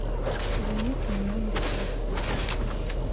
да нет немного сейчас в отпуске